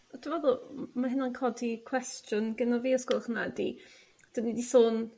Yy dw meddw' m- ma' hynna'n codi cwestiwn gynno fi os gwelwch 'di 'dyn ni 'di sôn